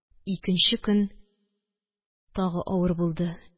Икенче көн тагы авыр булды